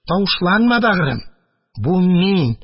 Тавышланма, бәгърем, бу — мин!